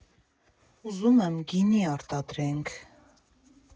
Ուզում եմ գինի արտադրենք։